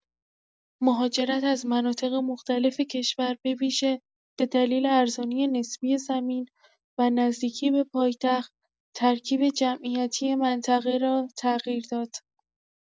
مهاجرت از مناطق مختلف کشور، به‌ویژه به دلیل ارزانی نسبی زمین و نزدیکی به پایتخت، ترکیب جمعیتی منطقه را تغییر داد.